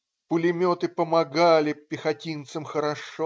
Пулеметы помогали Пехотинцам хорошо.